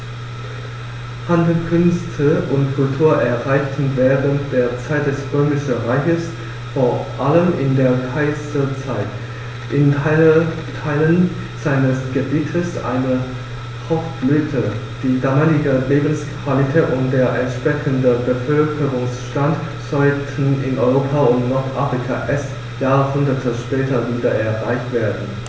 Handel, Künste und Kultur erreichten während der Zeit des Römischen Reiches, vor allem in der Kaiserzeit, in Teilen seines Gebietes eine Hochblüte, die damalige Lebensqualität und der entsprechende Bevölkerungsstand sollten in Europa und Nordafrika erst Jahrhunderte später wieder erreicht werden.